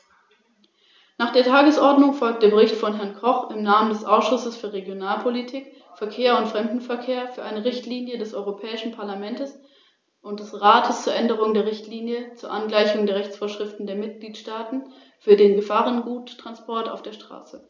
Alle Beiträge des parlamentarischen Ausschusses und des Berichterstatters, Herrn Koch, die in verschiedenen, konkret in vier, Änderungsanträgen zum Ausdruck kommen, werden von der Kommission aufgegriffen.